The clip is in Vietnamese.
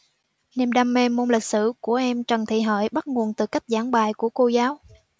niềm đam mê môn lịch sử của em trần thị hợi bắt nguồn từ cách giảng bài của cô giáo